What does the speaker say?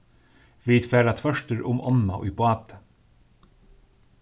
vit fara tvørtur um ánna í báti